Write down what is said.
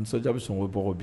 Ni bɛ sɔn bɛ bɔɔgɔ bilen